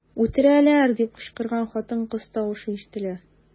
"үтерәләр” дип кычкырган хатын-кыз тавышы ишетелә.